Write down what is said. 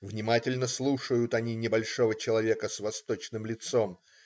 Внимательно слушают они небольшого человека с восточным лицом.